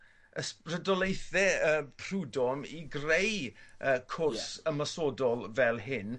ysbrydolaethe yy Prudom i greu yy cwrs ymosodol fel hyn.